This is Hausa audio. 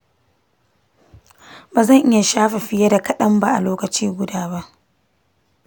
ba zan iya sha fiye da kadan ba a lokaci guda ba.